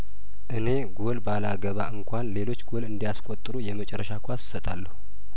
እኔ ጐል ባላገባ እንኳን ሌሎች ጐል እንዲያስቆጥሩ የመጨረሻ ኳስ ሰጣለሁ